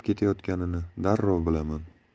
ketayotganini darrov bilaman